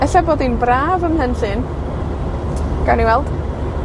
Ella bod hi'n braf ym Mhenllyn. Gawn ni weld.